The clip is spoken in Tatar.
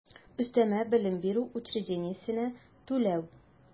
Өстәмә белем бирү учреждениесенә түләү